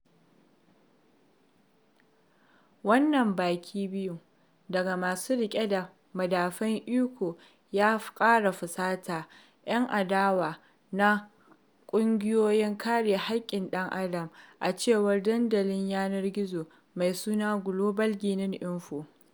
Wannan baki biyun daga masu riƙe da madafun iko ya ƙara fusata "yan adawa da ƙungiyoyin kare haƙƙin ɗan adam, a cewar dandalin yanar gizo mai suna globalguinee.info: